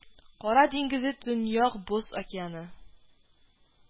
Кара диңгезе, Төньяк Боз океаны